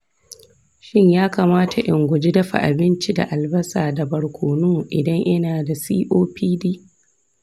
shin ya kamata in guji dafa abinci da albasa da barkono idan ina da copd?